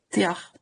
Dioch.